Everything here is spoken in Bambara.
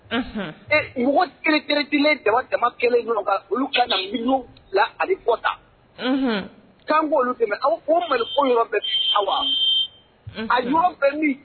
Dama dama la alita k'an ko aw ko bali ko bɛ wa a ɲuman bɛ